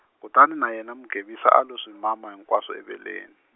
kutani na yena Mugevisa a lo swi mama hinkwaswo eveleni.